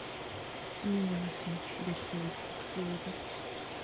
Минем өчен борчылып үксүедер...